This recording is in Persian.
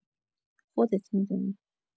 خودت می‌دونی!